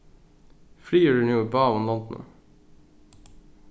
friður er nú í báðum londunum